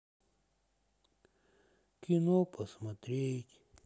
кино посмотреть